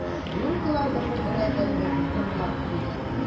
Рюмкалар бер-берсенә бәрелеп зыңлап куйды.